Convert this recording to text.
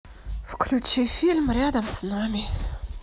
включи фильм рядом с нами